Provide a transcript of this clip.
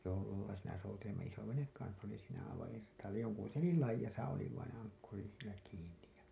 jollalla siinä soutelimme isoveneen kanssa oli siinä aivan irtaallaan jonkun telin laidassa oli vainen ankkuri siinä kiinni ja